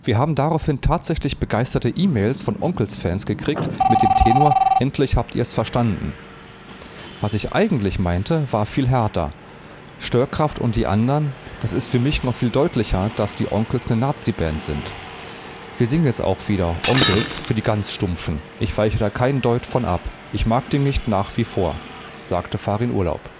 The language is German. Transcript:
haben daraufhin tatsächlich begeisterte E-Mails von Onkelz-Fans gekriegt, mit dem Tenor ‚ Endlich habt ihr’ s verstanden! ‘Was ich eigentlich meinte, war viel härter: ‚ Störkraft und die anderen ‘– das ist für mich noch viel deutlicher, dass die Onkelz’ ne Naziband sind. Wir singen jetzt auch wieder ‚ Onkelz ‘für die ganzen Stumpfen. Ich weiche da keinen Deut von ab. Ich mag die nicht, nach wie vor. “– Farin Urlaub